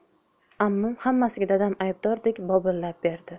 ammam hammasiga dadam aybdordek bobillab berdi